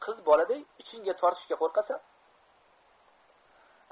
qiz boladay ichingga tortishga qo'rqasan